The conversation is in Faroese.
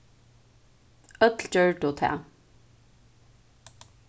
øll gjørdu tað